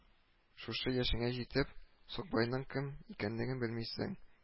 Шушы яшеңә җитеп, сукбайның кем икәнлеген белмисең